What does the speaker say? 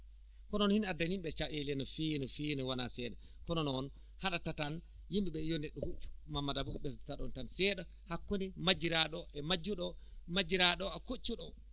kono noon hina addana yimɓe caɗeele no feewi no feewi ne wonaa seeɗa kono noon haɗata tan yimɓe ɓee yo neɗɗo huccu Mamadou Abou ɓesdata ɗon seeɗa hakkunde majjiraaɗo e majjuɗo o majjiraaɗo o e koccuɗo o